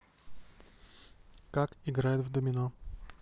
как играют в домино